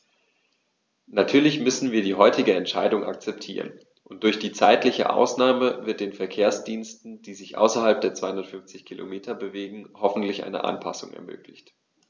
Natürlich müssen wir die heutige Entscheidung akzeptieren, und durch die zeitliche Ausnahme wird den Verkehrsdiensten, die sich außerhalb der 250 Kilometer bewegen, hoffentlich eine Anpassung ermöglicht.